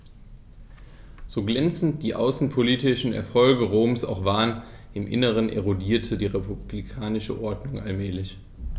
So glänzend die außenpolitischen Erfolge Roms auch waren: Im Inneren erodierte die republikanische Ordnung allmählich.